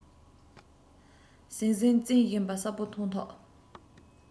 ཟང ཟིང རྩེན བཞིན པ གསལ པོ མཐོང ཐུབ